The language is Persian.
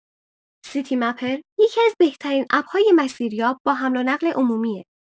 سیتی‌مپر یکی‌از بهترین اپ‌های مسیریاب با حمل‌ونقل عمومیه.